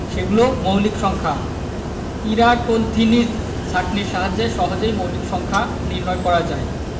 সেগুলো মৌলিক সংখ্যা ইরাটোন্থিনিস ছাঁকনির সাহায্যে সহজেই মৌলিক সংখ্যা নির্ণয় করা যায়